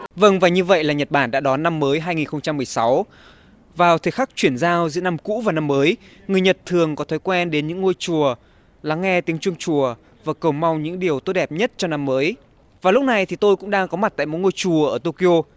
vâng và như vậy là nhật bản đã đón năm mới hai nghìn không trăm mười sáu vào thời khắc chuyển giao giữa năm cũ và năm mới người nhật thường có thói quen đến những ngôi chùa lắng nghe tiếng chuông chùa và cầu mong những điều tốt đẹp nhất cho năm mới vào lúc này thì tôi cũng đang có mặt tại một ngôi chùa ở tô ki ô